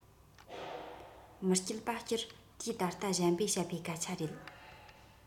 མི སྐྱིད པ སྤྱིར དུས ད ལྟ གཞན པས བཤད པའི སྐད ཆ རེད